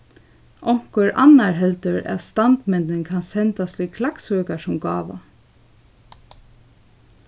onkur annar heldur at standmyndin kann sendast til klaksvíkar sum gáva